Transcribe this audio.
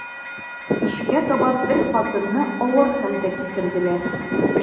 Кичкә таба бер хатынны авыр хәлдә китерделәр.